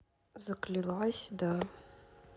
зациклилась да